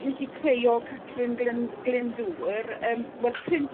nes i creu o Catrin glyn Glyndwr yym wel print